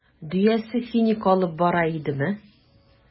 Дөясе финик алып бара идеме?